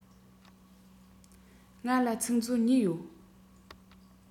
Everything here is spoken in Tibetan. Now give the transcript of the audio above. ང ལ ཚིག མཛོད གཉིས ཡོད